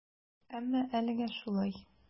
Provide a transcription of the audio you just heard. Әмма әлегә шулай.